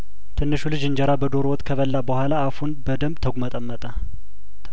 ትንሹ ልጅ እንጀራ በዶሮ ወጥ ከበላ በኋላ አፉን በደምብ ተጉመጠመጠ